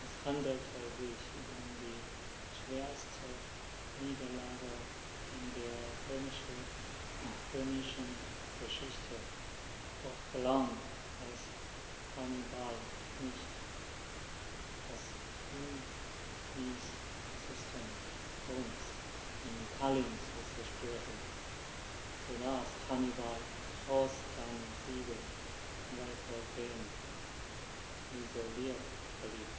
Es handelte sich um die schwerste Niederlage in der römischen Geschichte, doch gelang es Hannibal nicht, das Bündnissystem Roms in Italien zu zerstören, sodass Hannibal trotz seiner Siege weitgehend isoliert blieb.